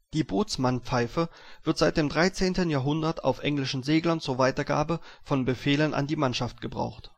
Die Bootsmannpfeife wird seit dem 13. Jahrhundert auf englischen Seglern zur Weitergabe von Befehlen an die Mannschaft gebraucht